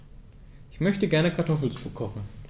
Ich möchte gerne Kartoffelsuppe kochen.